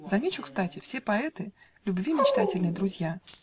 Замечу кстати: все поэты - Любви мечтательной друзья.